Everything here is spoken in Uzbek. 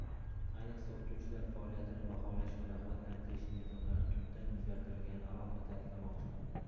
ayniqsa o'qituvchilar faoliyatini baholash va rag'batlantirish mezonlari tubdan o'zgartirilganini alohida ta'kidlamoqchiman